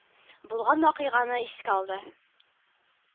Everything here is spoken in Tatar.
Булган вакыйганы искә алды.